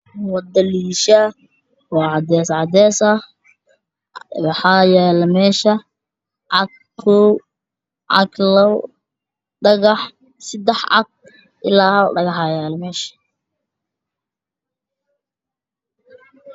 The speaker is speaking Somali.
Halkaan waa meel wado ah hareerahana waxaa ka dhisan guryo